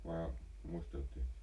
vai muisteltiin